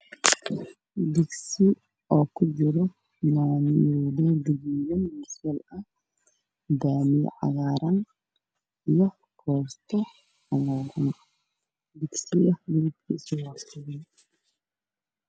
Waa digsi oo kujiro baamiya cagaaran